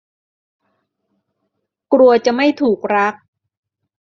กลัวจะไม่ถูกรัก